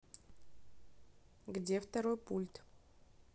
где второй пульт